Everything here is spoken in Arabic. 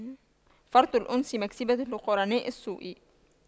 فرط الأنس مكسبة لقرناء السوء